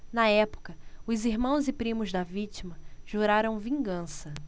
na época os irmãos e primos da vítima juraram vingança